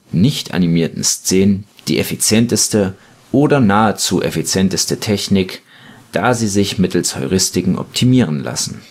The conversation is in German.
nicht-animierten Szenen die effizienteste oder nahezu effizienteste Technik, da sie sich mittels Heuristiken optimieren lassen